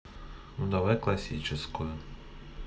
ну давай классическую